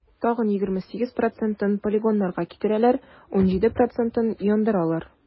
Тагын 28 процентын полигоннарга китерәләр, 17 процентын - яндыралар.